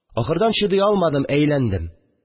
Ахырдан чыдый алмадым, әйләнде